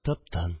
Тып-тын